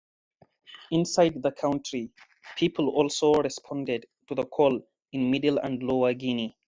Inside the country, people also responded to the call in Middle and Lower Guinea.